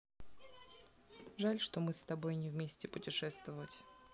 жаль что мы с тобой не вместе путешествовать